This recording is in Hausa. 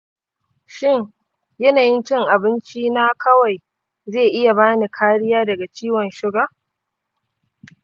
shin yanayin cin abinci na kawai zai iya bani kariya daga ciwon siga?